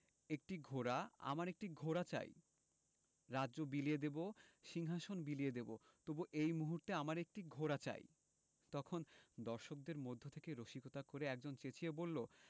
একটি ঘোড়া আমার একটি ঘোড়া চাই রাজ্য বিলিয়ে দেবো সিংহাশন বিলিয়ে দেবো তবু এই মুহূর্তে আমার একটি ঘোড়া চাই – তখন দর্শকদের মধ্য থেকে রসিকতা করে একজন চেঁচিয়ে বললো